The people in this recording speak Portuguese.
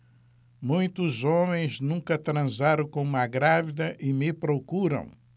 muitos homens nunca transaram com uma grávida e me procuram